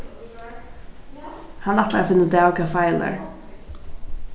hann ætlar at finna útav hvat feilar